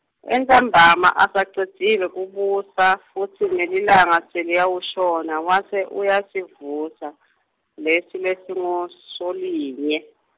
Entsambama asacedzile kubusa futsi nelilanga seliyawashona wase uyasivusa lesi lesinguSolinye.